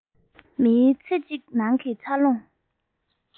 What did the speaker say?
མིའི ཚེ གཅིག ནང གྱི འཚར ལོངས